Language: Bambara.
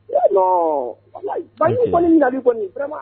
Li kɔni